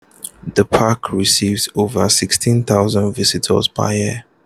The park receives over 16,000 visitors per year.